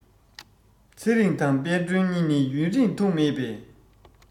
ཚེ རིང དང དཔལ སྒྲོན གཉིས ནི ཡུན རིང ཐུགས མེད པས